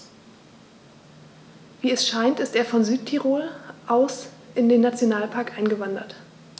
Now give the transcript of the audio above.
Wie es scheint, ist er von Südtirol aus in den Nationalpark eingewandert.